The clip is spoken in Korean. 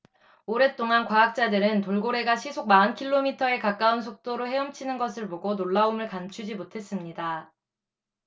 오랫동안 과학자들은 돌고래가 시속 마흔 킬로미터에 가까운 속도로 헤엄치는 것을 보고 놀라움을 감추지 못했습니다